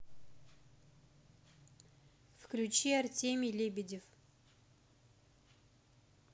включи артемий лебедев